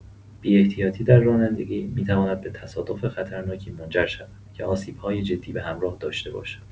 بی‌احتیاطی در رانندگی می‌تواند به تصادف خطرناکی منجر شود که آسیب‌های جدی به همراه داشته باشد.